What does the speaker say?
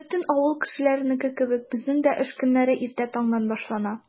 Бөтен авыл кешеләренеке кебек, безнең дә эш көне иртә таңнан башлана.